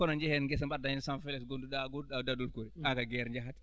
kono njehen ngesa mbaddaa heen flêche gonnduɗaa gonnduɗaa daadol ko are ko guerre njahataa